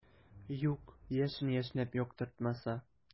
Юк, яшен яшьнәп яктыртмаса.